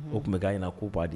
O kun bɛ ka ɲɛna ko ban don.